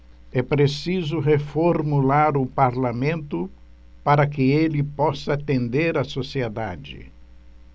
é preciso reformular o parlamento para que ele possa atender a sociedade